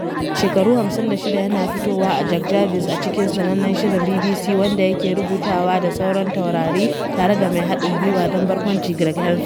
Mai shekaru 56 yana fitowa a Jack Jarvis a cikin sanannen shirin BBC, wanda yake rubutawa da sauran taurari tare da mai haɗn gwiwa dan barkwanci Greg Hemphill.